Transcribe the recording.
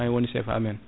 kañum woni chef amen